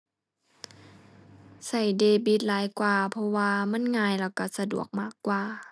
ใช้เดบิตหลายกว่า เพราะว่ามันง่ายแล้วใช้สะดวกมากกว่า